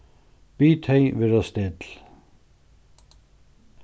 bið tey vera still